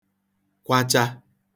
kwacha